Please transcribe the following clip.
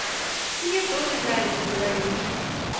мне тоже нравится говорит